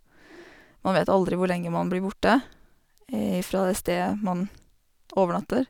Man vet aldri hvor lenge man blir borte ifra det stedet man overnatter.